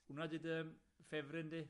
Hwnna 'di dy ffefryn di?